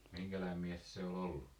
minkälainen mies se oli ollut